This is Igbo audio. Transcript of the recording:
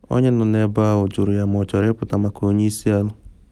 Onye nọ ebe ahụ jụrụ ya ma ọ chọrọ ịpụta maka onye isi ala.